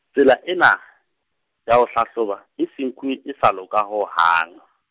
tsela ena, ya ho hlahloba, e se nkuwe e sa loka ho hang.